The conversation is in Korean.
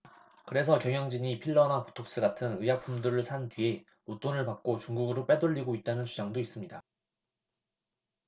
그래서 경영진이 필러나 보톡스 같은 의약품들을 산 뒤에 웃돈을 받고 중국으로 빼돌리고 있다는 주장도 있습니다